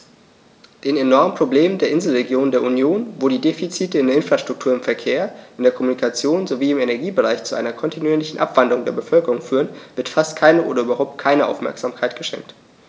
Den enormen Problemen der Inselregionen der Union, wo die Defizite in der Infrastruktur, im Verkehr, in der Kommunikation sowie im Energiebereich zu einer kontinuierlichen Abwanderung der Bevölkerung führen, wird fast keine oder überhaupt keine Aufmerksamkeit geschenkt.